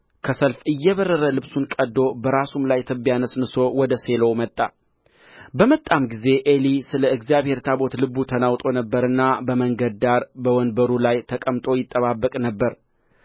ከሰልፍ እየበረረ ልብሱን ቀድዶ በራሱም ላይ ትቢያ ነስንሶ ወደ ሴሎ መጣ በመጣም ጊዜ ዔሊ ስለ እግዚአብሔር ታቦት ልቡ ተናውጦ ነበርና በመንገድ ዳር በወንበሩ ላይ ተቀምጦ ይጠባበቅ ነበር